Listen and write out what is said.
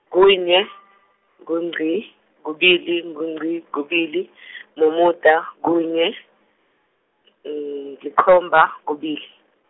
kunye, ngu ngci, kubili ngu ngci, kubili , mumuda, kunye , likhomba, kubili.